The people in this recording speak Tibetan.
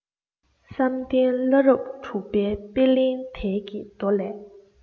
བསམ གཏན བླ རབས དྲུག པའི དཔེ ལེན དལ གྱི མདོ ལས